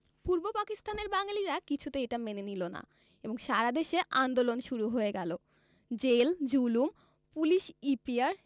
পূর্ব পাকিস্তানের বাঙালিরা কিছুতেই এটা মেনে নিল না এবং সারা দেশে আন্দোলন শুরু হয়ে গেল জেল জুলুম পুলিশ ইপিআর